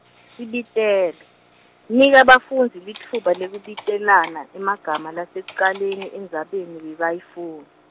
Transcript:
Sibitelo, nika bafundzi litfuba lekubitelana emagama lasekucaleni endzabeni bebayifun-.